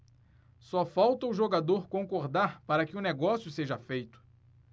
só falta o jogador concordar para que o negócio seja feito